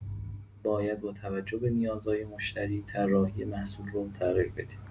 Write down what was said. باید باتوجه به نیازای مشتری، طراحی محصول رو تغییر بدیم.